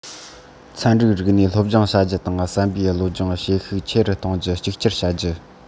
ཚན རིག རིག གནས སློབ སྦྱོང བྱ རྒྱུ དང བསམ པའི བློ སྦྱོང བྱེད ཤུགས ཆེ རུ གཏོང རྒྱུ གཅིག གྱུར བྱ རྒྱུ